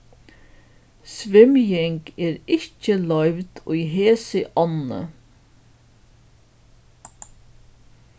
svimjing er ikki loyvd í hesi ánni